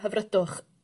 hyfrydwch